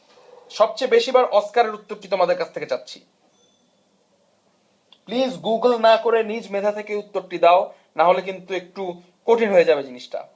সবচেয়ে বেশিবার অস্কারের উত্তরটি তোমাদের কাছ থেকে চাচ্ছি প্লিজ গুগল না করে নিজ মেধা থেকে উত্তরটি দাও না হলে কিন্তু একটু কঠিন হয়ে যাবে জিনিসটা